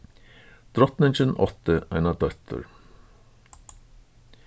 drotningin átti eina dóttur